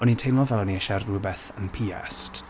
O'n i teimlo fel o'n i isie rywbeth yn pierced.